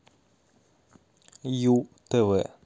ю тв